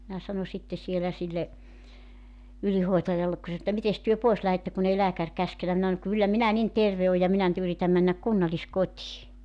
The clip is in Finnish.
minä sanoin sitten siellä sille ylihoitajalle kun se sanoi että mitenkäs te pois lähdette kun ei lääkäri käskenyt minä sanoin kyllä minä niin terve olen ja minä nyt yritän mennä kunnalliskotiin